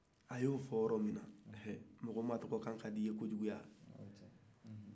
a y'o yɔrɔ min na aaa mɔgɔ majamu kan ka d'i ye kojugu